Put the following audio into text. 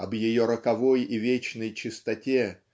об ее роковой и вечной чистоте